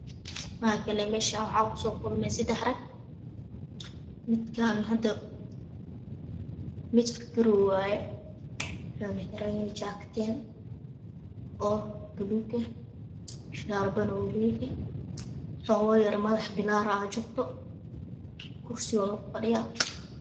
Waa kanee meshaan waxa kuso kulmay sadex rag midkan hada mid gar wayo waxa uu xiranyahay jakatiin oo buluug ah shaaribana wuu leeyahay xoogaa yara madaxa bidaraa ooga jirto kursiyuuna ku fadhiyaa